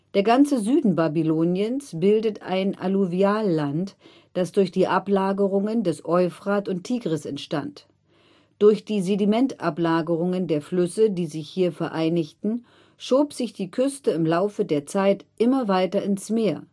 Der ganze Süden Babyloniens bildet ein Alluvialland, das durch die Ablagerungen des Euphrat und Tigris entstand. Durch die Sedimentablagerungen der Flüsse, die sich hier vereinigten, schob sich die Küste im Laufe der Zeit immer weiter ins Meer